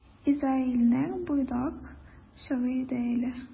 Изаилнең буйдак чагы иде әле.